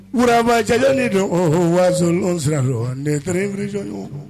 Urarababa cɛ ni don waso siran netorij